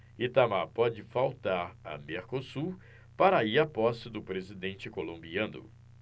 itamar pode faltar a mercosul para ir à posse do presidente colombiano